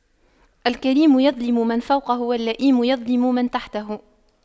الكريم يظلم من فوقه واللئيم يظلم من تحته